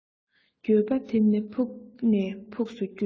འགྱོད པ དེ ནི ཕུགས ནས ཕུགས སུ འགྱོད